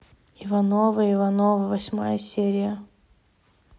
ивановы ивановы восьмая серия